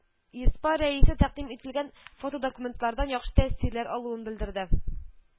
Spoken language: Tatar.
ЕСПА Рәисе тәкъдим ителгән фотодокументлардан яхшы тәэсирләр алуын белдерде